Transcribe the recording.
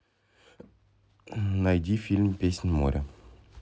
найди фильм песнь моря